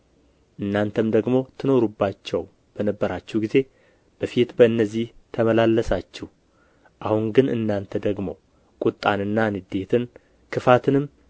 እናንተም ደግሞ ትኖሩባቸው በነበራችሁ ጊዜ በፊት በእነዚህ ተመላለሳችሁ አሁን ግን እናንተ ደግሞ ቍጣንና ንዴትን ክፋትንም